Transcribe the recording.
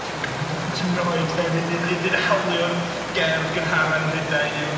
Dim gymaint o ots am yr oed de. Nid nid nid nid hawlio'r gerdd gynhara ym Mhrydain yw'r...